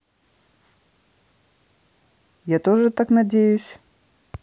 я тоже так надеюсь